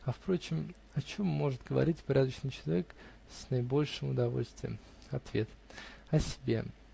А впрочем: о чем может говорить порядочный человек с наибольшим удовольствием? Ответ: о себе.